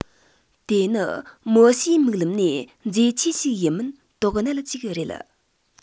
དེ ནི མོ བྱའི མིག ལམ ནས མཛེས འཆོས ཤིག ཡིན མིན དོགས གནད ཅིག རེད